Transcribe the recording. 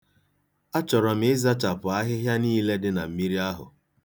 Achọrọ m ịzachapụ ahịhịa niile dị na mmiri ahụ.